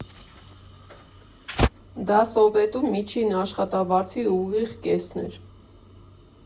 Դա Սովետում միջին աշխատավարձի ուղիղ կեսն էր։